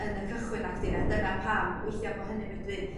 yn y cychwyn nacdyn a dyna pam weithia' bo' hynny medru